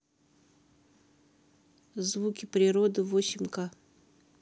звуки природы восемь к